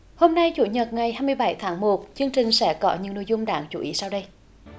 hôm nay chủ nhật ngày hai mươi bảy tháng một chương trình sẽ có những nội dung đáng chú ý sau đây